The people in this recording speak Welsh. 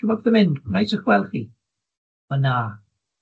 yn mynd, neis 'ych gweld chi, wel na.